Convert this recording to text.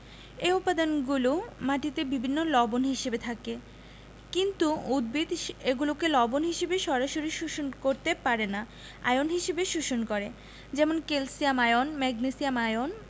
এ উপাদানগুলো মাটিতে বিভিন্ন লবণ হিসেবে থাকে কিন্তু উদ্ভিদ এগুলোকে লবণ হিসেবে সরাসরি শোষণ করতে পারে না আয়ন হিসেবে শোষণ করে যেমন ক্যালসিয়াম আয়ন ম্যাগনেসিয়াম আয়ন